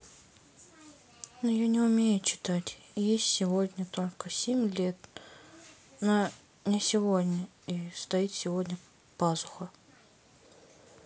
но я не умею читать есть сегодня только семь лет но не сегодня и стоит сегодня пазуха